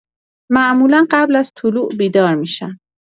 معمولا قبل از طلوع بیدار می‌شم.